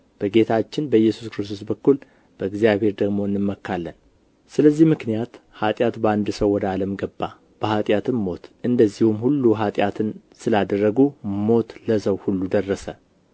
በጌታችን በኢየሱስ ክርስቶስ በኩል በእግዚአብሔር ደግሞ እንመካለን ስለዚህ ምክንያት ኃጢአት በአንድ ሰው ወደ ዓለም ገባ በኃጢአትም ሞት እንደዚሁም ሁሉ ኃጢአትን ስላደረጉ ሞት ለሰው ሁሉ ደረሰ